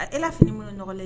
E la fini munun nɔgɔlen